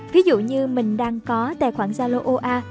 ví dụ như mình đang có tài khoản zalo oa